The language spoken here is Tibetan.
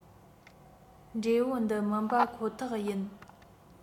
འབྲས བུ འདི མིན པ ཁོ ཐག ཡིན